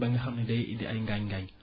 ba nga xam ne day indi ay ngaañ-ngaañ